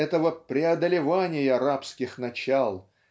этого преодолевания рабских начал